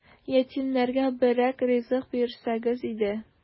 Ятимнәргә берәр ризык бирсәгез иде! ..